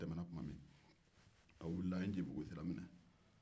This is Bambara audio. a wulila ka ncibugu sira miɛ